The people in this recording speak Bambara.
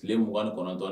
Tile mugan kɔnɔtɔ la